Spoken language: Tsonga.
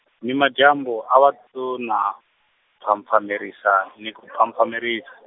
nimadyambu a va to na, pfhapfhamerisa ni ku pfhapfhameris-.